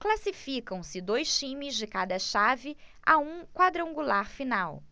classificam-se dois times de cada chave a um quadrangular final